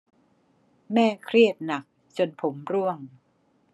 แม่เครียดหนักจนผมร่วง